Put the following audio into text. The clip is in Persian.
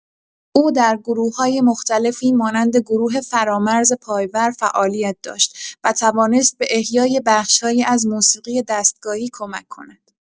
او در گروه‌های مختلفی مانند گروه فرامرز پایور فعالیت داشت و توانست به احیای بخش‌هایی از موسیقی دستگاهی کمک کند.